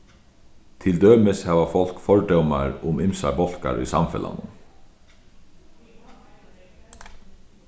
til dømis hava fólk fordómar um ymsar bólkar í samfelagnum